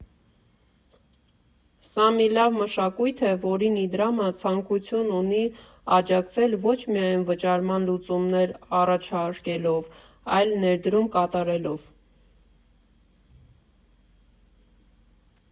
Սա մի լավ մշակույթ է, որին Իդրամը ցանկություն ունի աջակցել ոչ միայն վճարման լուծումներ առաջարկելով, այլ ներդրում կատարելով։